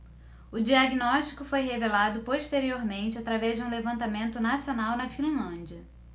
o diagnóstico foi revelado posteriormente através de um levantamento nacional na finlândia